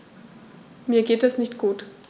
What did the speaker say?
Mir geht es nicht gut.